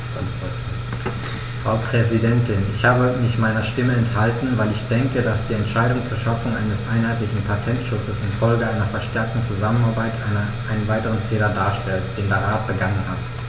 Frau Präsidentin, ich habe mich meiner Stimme enthalten, weil ich denke, dass die Entscheidung zur Schaffung eines einheitlichen Patentschutzes in Folge einer verstärkten Zusammenarbeit einen weiteren Fehler darstellt, den der Rat begangen hat.